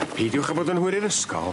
A peidiwch â bod yn hwyr i'r ysgol.